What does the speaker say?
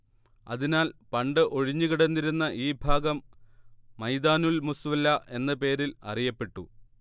അതിനാൽ പണ്ടു ഒഴിഞ്ഞുകിടന്നിരുന്ന ഈ ഭാഗം മൈദാനുൽ മുസ്വല്ല എന്ന പേരിൽ അറിയപ്പെട്ടു